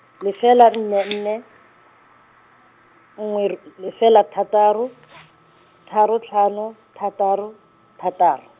lefela nne nne, nngwe r- lefela thataro , tharo tlhano, thataro, thataro.